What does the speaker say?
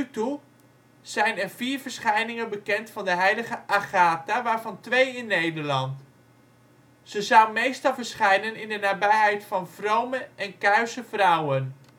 toe zijn er vier verschijningen bekend van de heilige Agatha, waarvan twee in Nederland. Ze zou meestal verschijnen in de nabijheid van vrome (en kuise?) vrouwen. Agatha